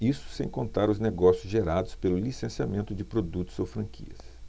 isso sem contar os negócios gerados pelo licenciamento de produtos ou franquias